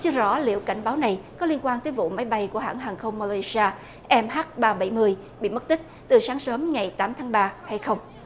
chưa rõ liệu cảnh báo này có liên quan tới vụ máy bay của hãng hàng không mơ lây sa em hát ba bảy người bị mất tích từ sáng sớm ngày tám tháng ba hay không